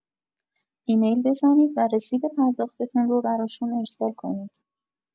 ایمیل بزنید و رسید پرداختتون رو براشون ارسال کنید.